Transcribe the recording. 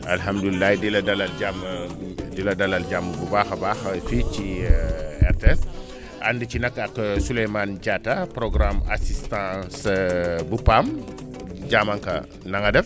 alhamdulilah di la dalal jàm di di la dalal jàmm bu baax a baax fii ci RTS ànd ci nag ak Souleymane Diatta programe assistance bu PAM Diamanka na nga def